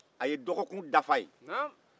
a ye dɔgɔkun dafa yen